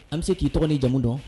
An bi se k'i tɔgɔ ni jamu dɔn?